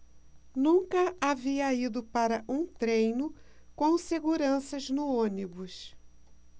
nunca havia ido para um treino com seguranças no ônibus